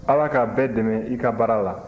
ala ka bɛɛ dɛmɛ i ka baara la